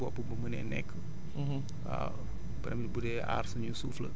ñu xool naka la ñuy fexee ba amal ko suñu bopp bu munee nekk